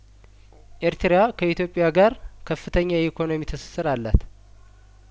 ኤርትራ ከኢትዮጵያ ጋር ከፍተኛ የኢኮኖሚ ትስስር አላት